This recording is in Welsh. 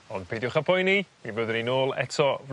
Ond peidiwch â poeni mi fyddwn ni nôl eto